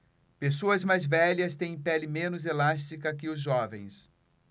pessoas mais velhas têm pele menos elástica que os jovens